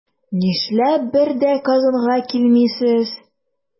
Нишләп бер дә Казанга килмисез?